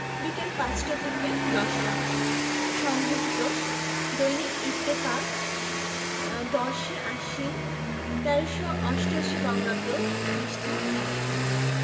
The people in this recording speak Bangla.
বিকাল ৫টা থেকে ১০টা সংগৃহীত দৈনিক ইত্তেফাক ১০ই আশ্বিন ১৩৮৮ বঙ্গাব্দ পৃষ্ঠা – ১